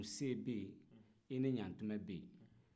nse bɛ ye i ni ɲaatuma bɛ yen